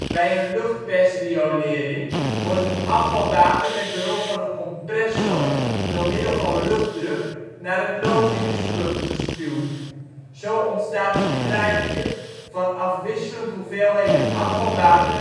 Bij een luchtpersriolering wordt het afvalwater met behulp van een compressor door middel van luchtdruk naar het lozingspunt gestuwd. Zo ontstaat een " treintje " van afwisselend hoeveelheden afvalwater